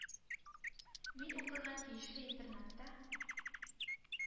Мин укырга тиешле интернатта